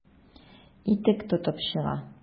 Итек тотып чыга.